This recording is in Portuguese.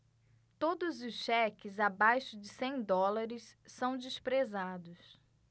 todos os cheques abaixo de cem dólares são desprezados